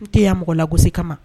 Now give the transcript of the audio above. N tɛ yan mɔgɔ lagoso kama